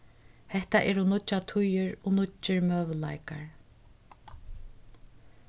hetta eru nýggjar tíðir og nýggir møguleikar